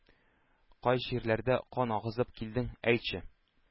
Кай җирләрдән кан агызып килдең, әйтче,